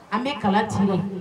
An bɛ kala tirer